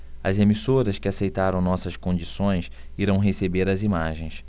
as emissoras que aceitaram nossas condições irão receber as imagens